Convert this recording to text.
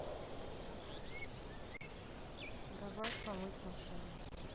добавь помыть машину